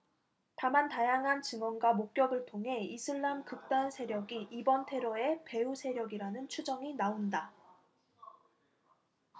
다만 다양한 증언과 목격을 통해 이슬람 극단 세력이 이번 테러의 배후세력이라는 추정이 나온다